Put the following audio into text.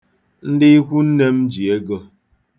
Ndị ikwunne m ji ego.